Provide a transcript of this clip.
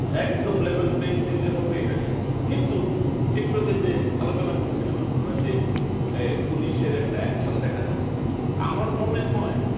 একদম level playing field এ হবে এটা সেটা কিন্তু একটু আগে যে আলোচনা করছিলেন আপনারা যে পুলিশের একটা একশন দেখা যাচ্ছে তো আমার মনে হয়